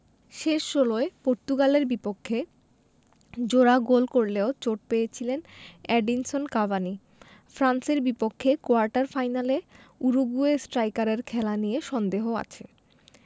শেষ ষোলোয় পর্তুগালের বিপক্ষে জোড়া গোল করলেও চোট পেয়েছিলেন এডিনসন কাভানি ফ্রান্সের বিপক্ষে কোয়ার্টার ফাইনালে উরুগুয়ে স্ট্রাইকারের খেলা নিয়ে সন্দেহ আছে